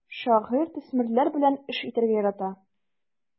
Шагыйрь төсмерләр белән эш итәргә ярата.